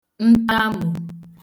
ntamù